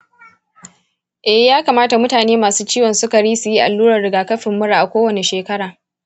eh, ya kamata mutane masu ciwon sukari su yi allurar rigakafin mura a kowace shekara.